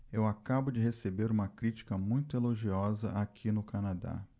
eu acabo de receber uma crítica muito elogiosa aqui no canadá